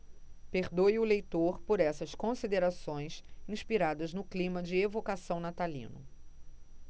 perdoe o leitor por essas considerações inspiradas no clima de evocação natalino